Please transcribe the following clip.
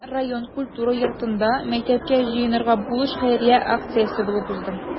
Бүген район культура йортында “Мәктәпкә җыенырга булыш” хәйрия акциясе булып узды.